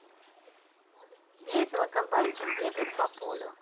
весело кабанчик бегает по полю